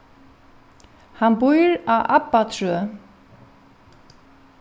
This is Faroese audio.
hann býr á abbatrøð